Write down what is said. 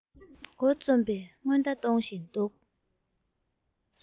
མགོ རྩོམ བའི སྔོན བརྡ གཏོང བཞིན འདུག